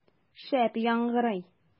Шәп яңгырый!